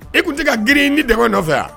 E tun tɛ se ka grin ni dɛmɛ nɔfɛ wa